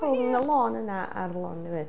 Rhwng y lôn yna a'r lôn newydd.